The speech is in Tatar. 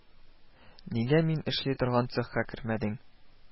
Нигә мин эшли торган цехка кермәдең